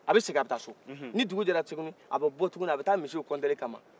a bɛ segi a bɛ ta so ni dugu jɛra tukuni a bɔ tukuni a bɛ ta misiw compter kama